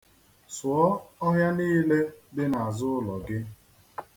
Sụọ ọhịa niile dị n'azụ ụlọ gị.